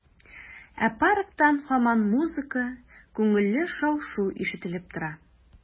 Ә парктан һаман музыка, күңелле шау-шу ишетелеп тора.